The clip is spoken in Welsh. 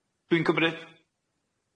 Dwi'n cymryd.